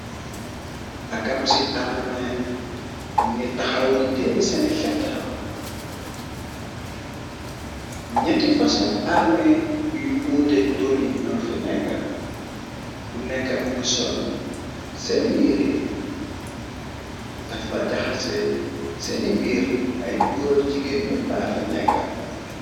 Akam ci armee, ni ngi taxaw di teye seni fetxal, ñeti fasani armee yu uutek toni noo fi nekka, bu nekk am ngi sol seeni yiiree, dafa jaxase seni biir, ay góorag ci gen ñeppaa fi nekka.